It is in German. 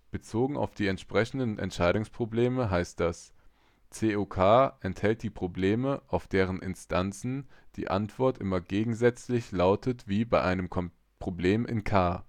Bezogen auf die entsprechenden Entscheidungsprobleme heißt das: CoK enthält die Probleme, auf deren Instanzen die Antwort immer gegensätzlich lautet wie bei einem Problem in K.